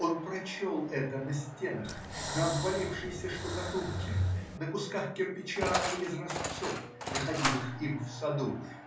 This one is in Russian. Он прочел это на стенах, на обвалившейся штукатурке, на кусках кирпича и изразцов, находимых им в саду